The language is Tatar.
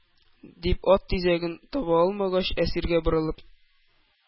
- дип, ат тизәген таба алмагач, әсиргә борылып,